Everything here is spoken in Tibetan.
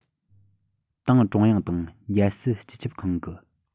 ཏང ཀྲུང དབྱང དང རྒྱལ སྲིད སྤྱི ཁྱབ ཁང གི